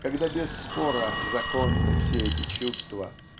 когда без спора законны все эти чувства.